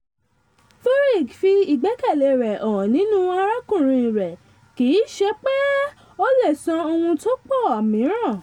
Furyk fi ìgbẹ́kẹ̀lé rẹ̀ hàn nínú arákùnrin rẹ, kìíṣe pé ó le sọ ohun tó pọ̀ míràn.